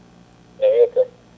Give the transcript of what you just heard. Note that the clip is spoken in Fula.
jaam hiiri toon